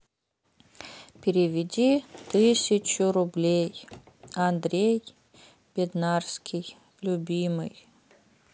переведи тысячу рублей андрей беднарский любимый